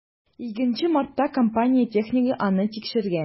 20 мартта компания технигы аны тикшергән.